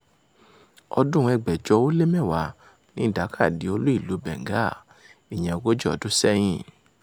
Ọdún-un 1610 ni Dhaka di olú-ìlúu Bengal, ìyẹn ogójì ọdún sẹ́yìn.